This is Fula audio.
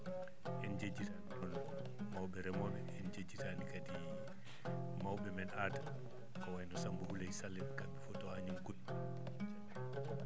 en njejjitaani mawɓe remooɓe en njejjitaani kadi mawɓe men aada ko wayi no Samaba Houleye Sall en kamɓe fof to Agname Koɗi